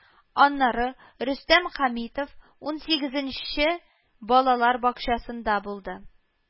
Аннары Рөстәм Хәмитов унсигезенче балалар бакчасында булды